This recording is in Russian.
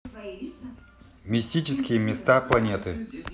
мистические места планеты